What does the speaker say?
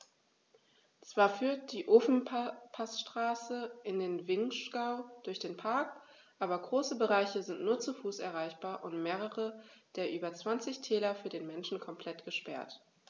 Zwar führt die Ofenpassstraße in den Vinschgau durch den Park, aber große Bereiche sind nur zu Fuß erreichbar und mehrere der über 20 Täler für den Menschen komplett gesperrt.